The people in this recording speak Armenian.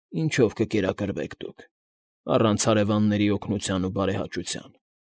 Ինչո՞վ կկերակրվեք դուք, առանց հարևանների օգնության ու բարեհաճության։